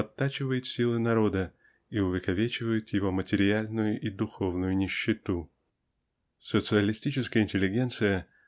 подтачивает силы народа и увековечивает его материальную и духовную нищету. Социалистическая интеллигенция